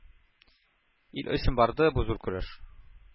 Ил өчен барды бу зур көрәш